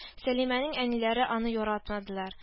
Сәлимәнең әниләре аны яратмадылар